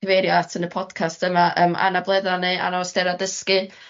cyfeirio at yn y podcast yma yym anabledda neu anawstera dysgu.